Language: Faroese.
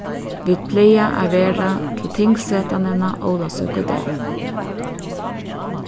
vit plaga at vera til tingsetanina ólavsøkudag